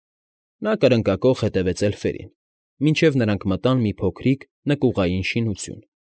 Նա կրկնակոխ հետևեց էլֆերին, մինչև նրանք մտան մի փոքրիկ նկուղային շինություն։